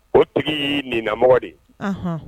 O tigi y'i namɔgɔ de, unhun.